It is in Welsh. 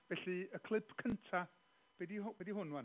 felly y clip cyntaf, be di hw- be 'di hwn ŵan?...